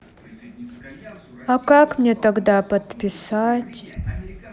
а как мне тогда подписать